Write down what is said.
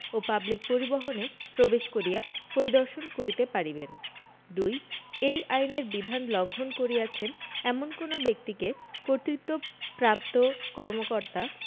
ও public পরিবহণে প্রবেশ করিয়া পরিদর্শন করিতে পারিবেন ২ এই আইনের বিধান লংঘন করিয়াছেন এমন কোন ব্যক্তিকে কর্তৃত্বপ্রাপ্ত কর্মকর্তা